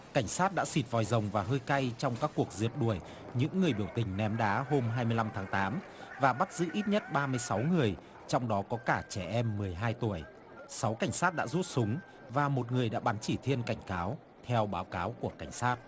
cảnh sát đã xịt vòi rồng và hơi cay trong các cuộc rượt đuổi những người biểu tình ném đá hôm hai mươi lăm tháng tám và bắt giữ ít nhất ba mươi sáu người trong đó có cả trẻ em mười hai tuổi sáu cảnh sát đã rút súng và một người đã bắn chỉ thiên cảnh cáo theo báo cáo của cảnh sát